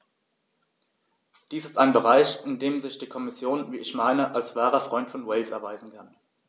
Dies ist ein Bereich, in dem sich die Kommission, wie ich meine, als wahrer Freund von Wales erweisen kann.